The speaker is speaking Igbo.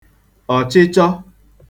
ọ̀chịchọ